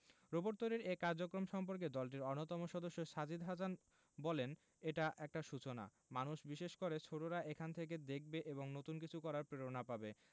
robot তৈরির এ কার্যক্রম সম্পর্কে দলটির অন্যতম সদস্য সাজিদ হাসান বললেন এটা একটা সূচনা মানুষ বিশেষ করে ছোটরা এখান থেকে দেখবে এবং নতুন কিছু করার প্রেরণা পাবে